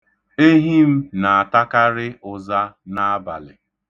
Ehi m na-atakarị ụza n'abalị.